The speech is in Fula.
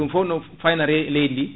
ɗum foo no fayna re leydi ndi